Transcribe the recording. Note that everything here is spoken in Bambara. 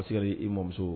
i mɔmuso